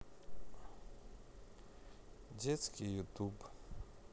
детский ютуб